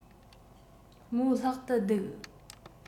མོའི ལྷག ཏུ སྡུག